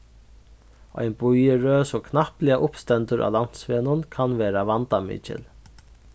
ein bíðirøð sum knappliga uppstendur á landsvegnum kann verða vandamikil